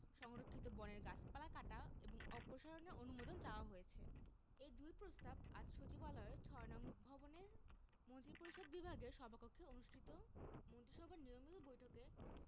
সংরক্ষিত বনের গাছপালা কাটা এবং অপসারণের অনুমোদন চাওয়া হয়েছে এ দুই প্রস্তাব আজ সচিবালয়ের ৬ নং ভবনের মন্ত্রিপরিষদ বিভাগের সভাকক্ষে অনুষ্ঠিত মন্ত্রিসভার নিয়মিত বৈঠকে